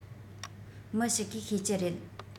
མི ཞིག གིས ཤེས ཀྱི རེད